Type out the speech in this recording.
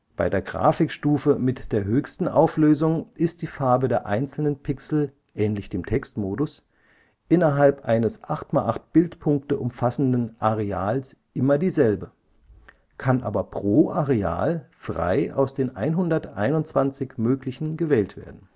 Bei der Grafikstufe mit der höchsten Auflösung ist die Farbe der einzelnen Pixel – ähnlich dem Textmodus – innerhalb eines 8 × 8 Bildpunkte umfassenden Areals immer dieselbe, kann aber pro Areal frei aus den 121 möglichen gewählt werden